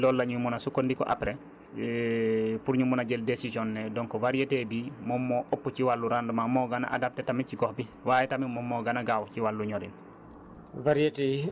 donc donc si loolu la ñuy mën a sukkandiku après pour ñu mën a jël décision ne donc variété bii moom moo ëpp ci wàllu rendement moo gën a adapté tamit ci gox bi waaye tamit moom moo gën a gaaw ci wàllu ñorin